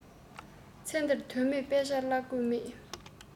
ཚེ འདིར དོན མེད དཔེ ཆ བཀླག དགོས མེད